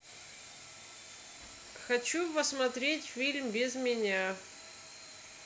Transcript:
хочу посмотреть фильм без меня